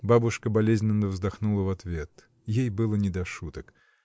Бабушка болезненно вздохнула в ответ. Ей было не до шуток.